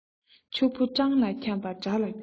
ཕྱུག པོ སྤྲང ལ འཁྱམས པ དགྲ ལ འགྱུར